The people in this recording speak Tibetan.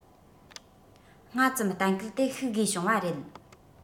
སྔ ཙམ གཏན འཁེལ དེ བཤིག དགོས བྱུང བ རེད